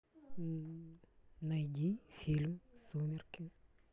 найди фильм сумерки